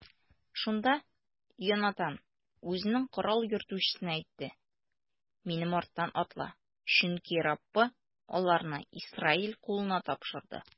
Шунда Йонатан үзенең корал йөртүчесенә әйтте: минем арттан атла, чөнки Раббы аларны Исраил кулына тапшырды.